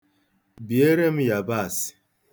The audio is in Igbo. Biere m yabaasị.